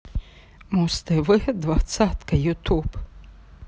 муз тв двадцатка ютуб